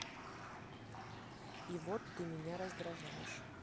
и вот ты меня раздражаешь